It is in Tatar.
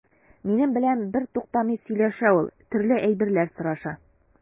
Минем белән бертуктамый сөйләшә ул, төрле әйберләр сораша.